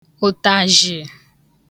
ụ̀tàzjị̀